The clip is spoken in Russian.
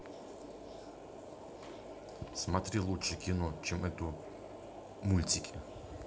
смотреть лучшее кино